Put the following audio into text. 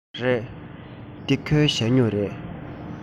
རེད འདི ཁོའི ཞ སྨྱུག རེད